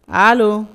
Aa